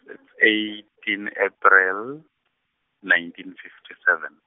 it's eighteen April nineteen fifty seven.